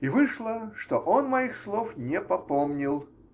И вышло, что он моих слов не попомнил.